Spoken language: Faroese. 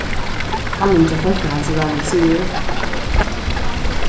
kanning hjá fólkaheilsuráðnum sigur